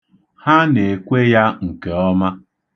Ha na-ekwe ya nke ọma.